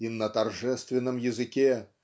и "на торжественном языке